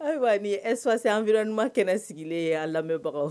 Ayiwa ni esse an v ɲuman kɛnɛ sigilen a lamɛnbagaw